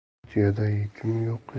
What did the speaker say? tuyada yukim yo'q